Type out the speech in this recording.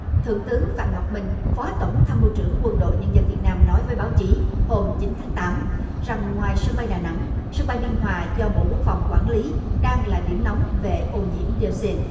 thượng tướng phạm ngọc minh phó tổng tham mưu trưởng quân đội nhân dân việt nam nói với báo chí hôm chín tháng tám rằng ngoài sân bay đà nẵng sân bay biên hòa do bộ quốc phòng quản lý đang là điểm nóng về ô nhiễm đi ô xin